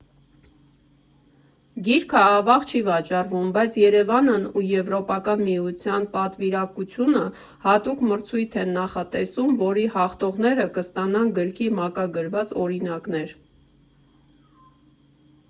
Գիրքը, ավաղ, չի վաճառվում, բայց ԵՐԵՎԱՆն ու Եվրոպական միության պատվիրակությունը հատուկ մրցույթ են նախատեսում , որի հաղթողները կստանան գրքի մակագրված օրինակներ։